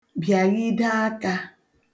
bịàghide akā